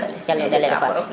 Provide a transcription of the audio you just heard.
na calo ndale